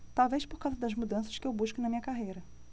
talvez por causa das mudanças que eu busco na minha carreira